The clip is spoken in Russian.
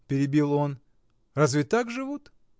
— перебил он, — разве так живут?